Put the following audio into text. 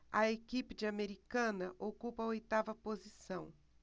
a equipe de americana ocupa a oitava posição